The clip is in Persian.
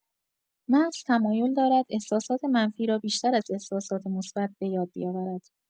مغز تمایل دارد احساسات منفی را بیشتر از احساسات مثبت بۀاد بیاورد.